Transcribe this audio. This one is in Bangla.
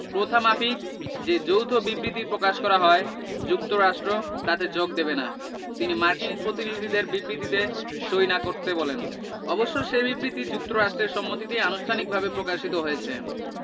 প্রথামাফিক যে যৌথ বিবৃতি প্রকাশ করা হয় যুক্তরাষ্ট্র তাতে যোগ দেবে না তিনি মার্কিন প্রতিনিধিদের বিবৃতিতে সই না করতে বলেন অবশ্য সে বিবৃতি যুক্তরাষ্ট্রের সম্মতিতেই আনুষ্ঠানিকভাবে প্রকাশিত হয়েছে